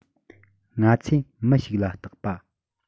ང ཚོས མི ཞིག ལ བརྟག པ